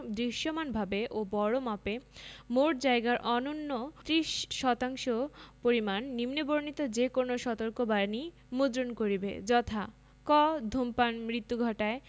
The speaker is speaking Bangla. দৃশ্যমানভাবে ও বড়মাপে মোট জায়গার অন্যূন ৩০ শতাংশ পরিমাণ নিম্নবণিত যে কোন সতর্কবাণী মুদ্রণ করিবে যথা ক ধূমপান মৃত্যু ঘটায়